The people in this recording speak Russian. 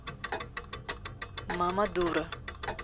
мама дура